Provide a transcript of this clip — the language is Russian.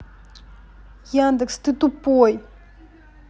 яндекс ты тупой